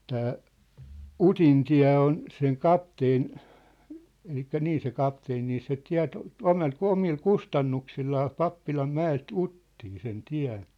tämä Utintie on sen kapteenin eli niin se kapteeni niin se teetti omalla omalla kustannuksillaan Pappilanmäeltä Uttiin sen tien